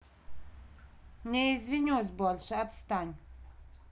не извинюсь больше отстань